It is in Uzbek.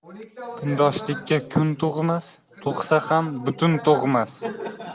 kundoshlikka kun tug'mas tug'sa ham butun tug'mas